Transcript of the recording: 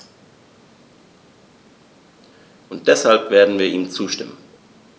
Und deshalb werden wir ihm zustimmen.